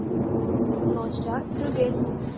Начар түгел.